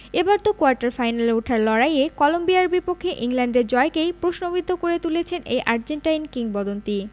এবার তো কোয়ার্টার ফাইনালে ওঠার লড়াইয়ে কলম্বিয়ার বিপক্ষে ইংল্যান্ডের জয়কেই প্রশ্নবিদ্ধ করে তুলেছেন এই আর্জেন্টাইন কিংবদন্তি